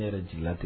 N yɛrɛ ji tɛ